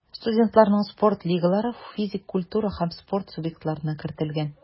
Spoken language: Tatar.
Студентларның спорт лигалары физик культура һәм спорт субъектларына кертелгән.